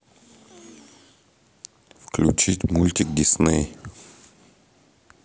включить мультик дисней